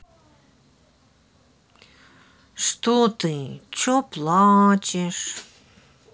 что ты че плачешь